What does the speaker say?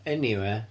Eniwe.